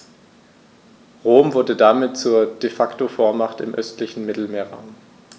Rom wurde damit zur ‚De-Facto-Vormacht‘ im östlichen Mittelmeerraum.